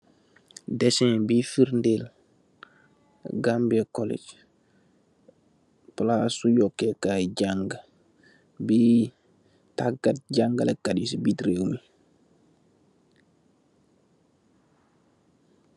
Desèè bi ferdël Gambia College , palasu yokèèkai Jaanga bi tagat jangalekat yi fii ci birr rewmi.